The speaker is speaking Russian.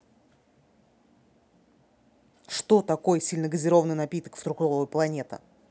что такое сильногазированый напиток фруктовая планета